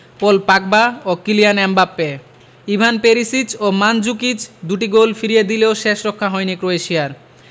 পল Pogba ও Kylian Mbappe Ivan Perisic ও Mandzukic দুটি গোল ফিরিয়ে দিলেও শেষরক্ষা হয়নি ক্রোয়েশিয়ার